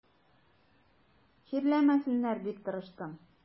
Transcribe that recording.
Чирләмәсеннәр дип тырыштым.